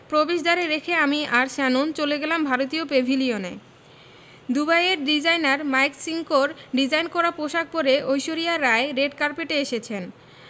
প্রবেশদ্বারে রেখে আমি আর শ্যানন চলে গেলাম ভারতীয় প্যাভিলিয়নে দুবাইয়ের ডিজাইনার মাইক সিঙ্কোর ডিজাইন করা পোশাক করে ঐশ্বরিয়া রাই রেড কার্পেটে এসেছেন